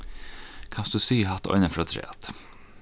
kanst tú siga hatta einaferð afturat